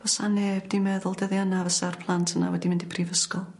Fasa neb 'di meddwl dyddia' yna fysa'r plant yna wedi mynd i prifysgol.